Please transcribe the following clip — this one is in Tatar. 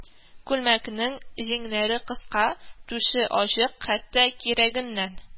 Күлмәкнең җиңнәре кыска, түше ачык, хәтта кирәгеннән